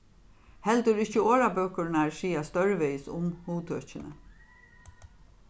heldur ikki orðabøkurnar siga stórvegis um hugtøkini